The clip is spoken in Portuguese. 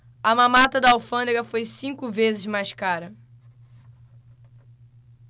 a mamata da alfândega foi cinco vezes mais cara